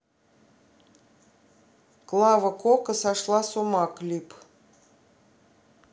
клава кока сошла с ума клип